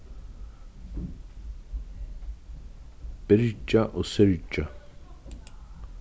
byrgja og syrgja